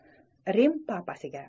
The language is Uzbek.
rim papasiga